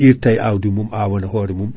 irtaye awdi mum awana hoore mum